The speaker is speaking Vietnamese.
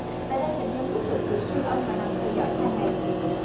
tại đây bệnh nhân tiếp tục được siêu âm và nằm theo dõi hai ngày